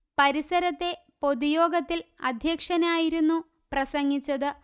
പരിസരത്തെ പൊതുയോഗത്തിൽ അധ്യക്ഷനായിരുന്നു പ്രസംഗിച്ചത്